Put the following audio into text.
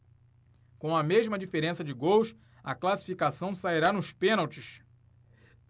com a mesma diferença de gols a classificação sairá nos pênaltis